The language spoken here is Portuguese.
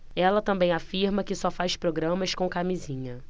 ela também afirma que só faz programas com camisinha